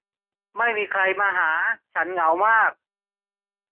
ไม่มีใครมาหาฉันเหงามาก